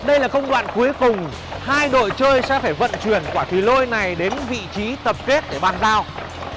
đây là công đoạn cuối cùng hai đội chơi sẽ phải vận chuyển quả thủy lôi này đến vị trí tập kết để bàn giao